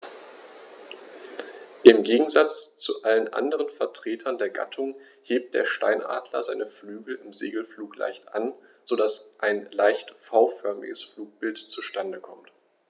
Im Gegensatz zu allen anderen Vertretern der Gattung hebt der Steinadler seine Flügel im Segelflug leicht an, so dass ein leicht V-förmiges Flugbild zustande kommt.